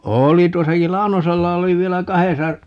oli tuossakin Launosella oli vielä kahdessa